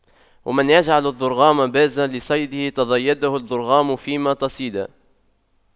ومن يجعل الضرغام بازا لصيده تَصَيَّدَهُ الضرغام فيما تصيدا